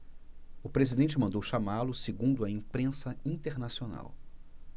o presidente mandou chamá-lo segundo a imprensa internacional